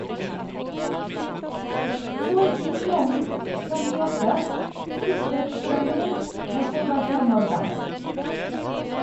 Choi In-Young (58) flyktet fra nord da hun var fem år gammel.